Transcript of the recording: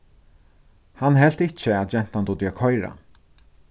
hann helt ikki at gentan dugdi at koyra